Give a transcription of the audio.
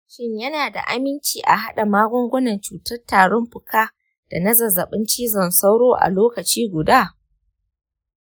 shin yana da aminci a haɗa magungunan cutar tarin fuka da na zazzabin cizon sauro a lokaci guda?